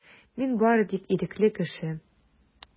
Мин бары тик ирекле кеше.